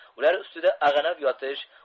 ular ustida ag'anab yotish